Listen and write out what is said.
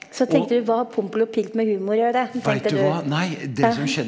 så tenkte du hva har Pompel og Pilt med humor gjøre, tenkte du ja.